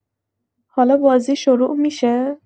حالا بازی شروع می‌شه؟